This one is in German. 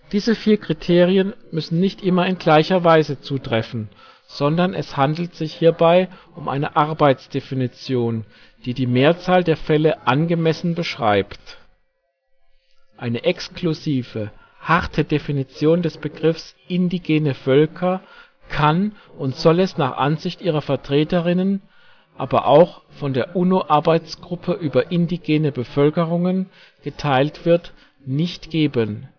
Diese vier Kriterien müssen nicht immer in gleicher Weise zutreffen, sondern es handelt sich hierbei um eine Arbeitsdefinition, die die Mehrzahl der Fälle angemessen beschreibt. Ein exklusive, " harte " Definition des Begriffs " Indigene Völker " kann und soll es nach Ansicht ihrer VertreterInnen, die aber auch von der UNO-Arbeitsgruppe über indigene Bevölkerungen geteilt wird, nicht geben